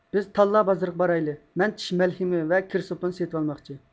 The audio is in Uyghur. بىز تاللا بازىرىغا بارايلى مەن چىش مەلھىمى ۋە كىر سوپۇن سېتىۋالماقچى